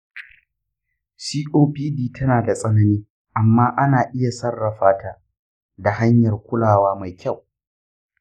copd tana da tsanani, amma ana iya sarrafa ta da hanyar kulawa mai kyau.